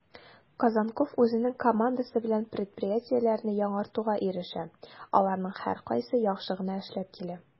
Козонков үзенең командасы белән предприятиеләрне яңартуга ирешә, аларның һәркайсы яхшы гына эшләп килә: